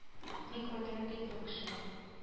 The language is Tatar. Мин күрдем бит бу кешене